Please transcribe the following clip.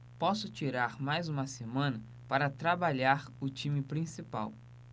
posso tirar mais uma semana para trabalhar o time principal